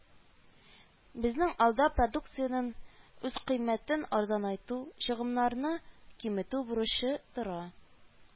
Безнең алда продукциянең үзкыйммәтен арзанайту, чыгымнарны киметү бурычы тора